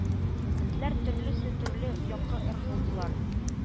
Этләр төрлесе төрле якка ыргылдылар